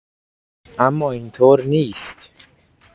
اما این‌طور نیست.